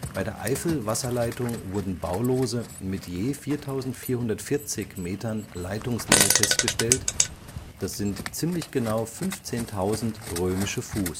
Bei der Eifelwasserleitung wurden Baulose mit je 4440 Metern Leitungslänge festgestellt, das sind ziemlich genau 15.000 römische Fuß